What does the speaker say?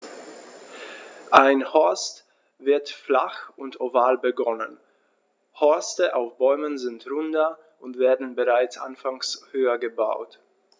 Ein Horst wird flach und oval begonnen, Horste auf Bäumen sind runder und werden bereits anfangs höher gebaut.